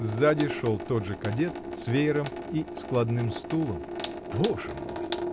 Сзади шел тот же кадет с веером и складным стулом. — Боже мой!